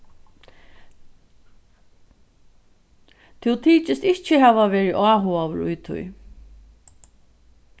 tú tykist ikki hava verið áhugaður í tí